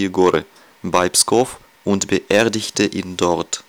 Gory bei Pskow und beerdigte ihn dort